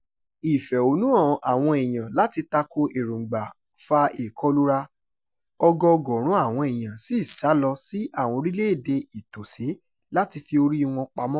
Ìfẹ̀hónúhàn àwọn èèyàn láti tako èròńgbà fa ìkọlura, ọgọọgọ̀rún àwọn èèyàn sì sá lọ sí àwọn orílẹ̀-èdè ìtòsí láti fi oríi wọn pamọ.”